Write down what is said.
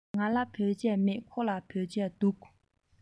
ང ལ བོད ཆས མེད ཁོ ལ བོད ཆས འདུག